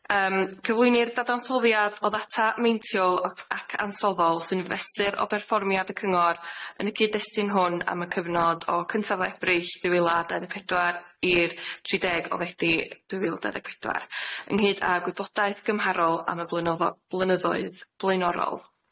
Yym cyflwynir dadansoddiad o ddata meintiol ac ansoddol sy'n fesur o berfformiad y cyngor yn y cyd-destun hwn am y cyfnod o cyntaf Ebrill dwy fil a dau ddeg pedwar i'r tri deg o Fedi dwy fil dau ddeg pedwar, ynghyd â gwybodaeth gymharol am y blynyddo- blynyddoedd blaenorol.